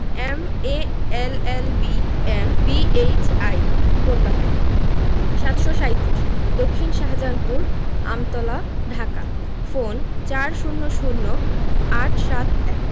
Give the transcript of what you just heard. M A L L B M B H I Kolkata ৭৩৭ দক্ষিন Shahjahanpur Amtala Dhaka phone ৪০০০ ৮৭১